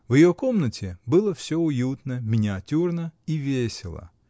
В ее комнате было всё уютно, миниатюрно и весело.